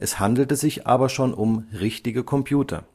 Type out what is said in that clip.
handelte sich aber schon um „ richtige “Computer